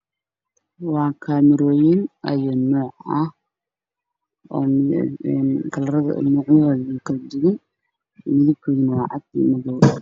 Camerooyin ayuu noocaas oo kale kala duwan midab noo caddaan midabna waa cagaar